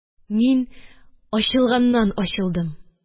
Мин ачылганнан ачылдым